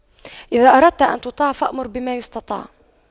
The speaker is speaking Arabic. إذا أردت أن تطاع فأمر بما يستطاع